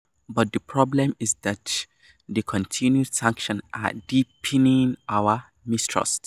But the problem is that the continued sanctions are deepening our mistrust."